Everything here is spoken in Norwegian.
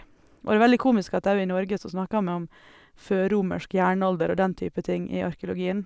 Og det er veldig komisk at òg i Norge så snakker vi om førromersk jernalder og den type ting i arkeologien.